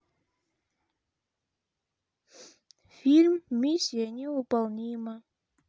фильм миссия невыполнима